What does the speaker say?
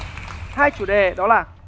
hai chủ đề đó là